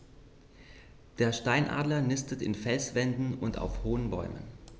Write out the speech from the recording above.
Der Steinadler nistet in Felswänden und auf hohen Bäumen.